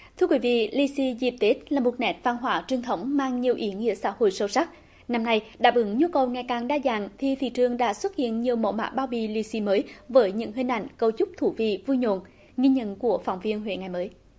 thưa quý vị lì xì dịp tết là một nét văn hóa truyền thống mang nhiều ý nghĩa xã hội sâu sắc năm nay đáp ứng nhu cầu ngày càng đa dạng thì thị trường đã xuất hiện nhiều mẫu mã bao bì lì xì mới với những hình ảnh cấu trúc thú vị vui nhộn ghi nhận của phóng viên huế ngày mới